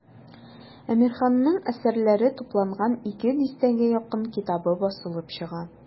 Әмирханның әсәрләре тупланган ике дистәгә якын китабы басылып чыга.